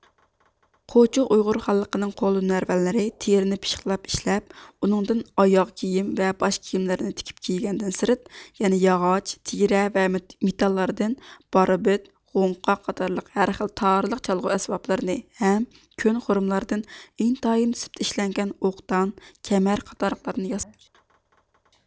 قوچۇ ئۇيغۇر خانلىقىنىڭ قول ھۈنەرۋەنلىرى تېرىنى پىششىقلاپ ئىشلەپ ئۇنىڭدىن ئاياغ كىيىم ۋە باش كىيىملەرنى تىكىپ كىيگەندىن سىرت يەنە ياغاچ تېرە ۋە مېتاللاردىن باربىت غوڭقا قاتارلىق ھەر خىل تارىلىق چالغۇ ئەسۋابلىرىنى ھەم كۆن خۇرۇملاردىن ئىنتايىن سىپتا ئىشلەنگەن ئوقدان كەمەر قاتارلىقلارنى ياسىغان